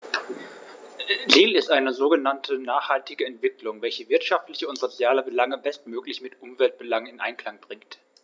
Ziel ist eine sogenannte nachhaltige Entwicklung, welche wirtschaftliche und soziale Belange bestmöglich mit Umweltbelangen in Einklang bringt.